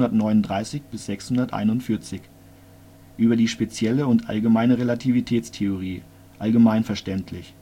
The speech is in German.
639-641. Über die spezielle und allgemeine Relativitätstheorie Allgemeinverständlich